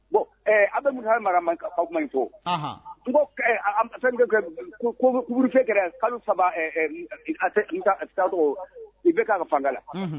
Bɔn ami minnu mara man ka fɔ fɔ anuru kalo saba i bɛ'a ka fanga la